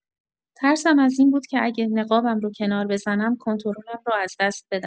ترسم از این بود که اگه نقابم رو کنار بزنم، کنترلم رو از دست بدم.